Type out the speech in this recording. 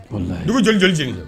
Wallahi Dugu jeli jeli jeni na!